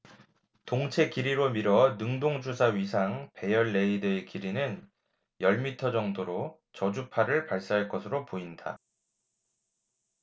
동체 길이로 미뤄 능동주사 위상 배열 레이더의 길이는 열 미터 정도로 저주파 를 발사할 것으로 보인다